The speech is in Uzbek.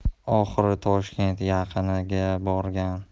oxiri toshkent yaqiniga borgan